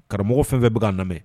Karamɔgɔ fɛn fɛn b a na